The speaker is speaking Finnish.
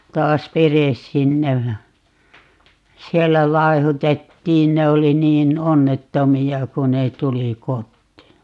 taas veres sinne ja siellä laihdutettiin ne oli niin onnettomia kun ne tuli kotiin